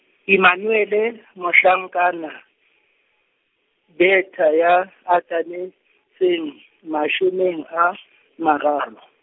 Emmanuele Mohlankana, Bertha ya, atametseng mashome a, mararo.